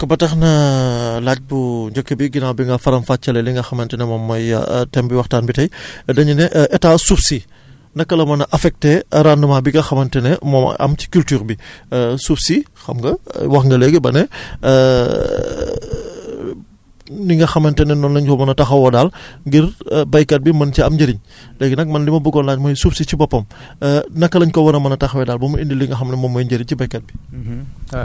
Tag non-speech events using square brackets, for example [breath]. d' accord donc ba tax na [hesitation] laaj bu njëkk bi ginnaaw bi nga faram fàccelee li nga xamante ne moom mooy [hesitation] thème bi waxtaan bi tey [breath] dañ ne [hesitation] état suuf si naka la mën a affecté rendement bi nga xamante ne moo am ci culture bi [breath] [hesitation] suuf si xam nga [hesitation] wax nga léegi ba ne [breath] [hesitation] ni nga xamante ne noonu lanu ko mën a taxawoo daal [breath] ngir [hesitation] baykat bi mën cee am njëriñ léegi nag man li ma bëggoon laaj mooy suuf si ci boppam [breath] naka la ñu ko war a mën a taxawee daal ba mu indi li nga xam ne moom mooy njëriñ ci baykat bi